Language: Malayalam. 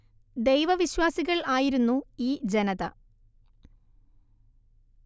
ദൈവ വിശ്വാസികൾ ആയിരുന്നു ഈ ജനത